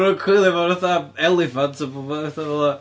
Mae nhw'n coelio mewn fatha eliffant a pob- petha fel 'na...